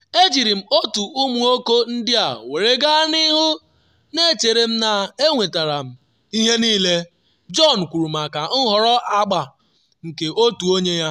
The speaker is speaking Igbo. “Ejiri m otu ụmụ nwoke ndị a were gaa n’ihi na E chere m na enwetechara m ihe niile,” Bjorn kwuru maka nhọrọ agba nke otu onye ya.